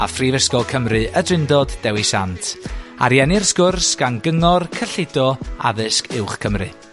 a Phrifysgol Cymru y Drindod Dewi Sant. Ariennir Sgwrs? gan gyngor cyllido addysg uwch Cymru.